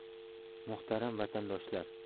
muhtaram vatandoshlar